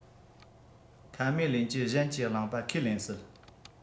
ཁ མའེ ལུན གྱིས གཞན གྱིས བླངས པ ཁས ལེན སྲིད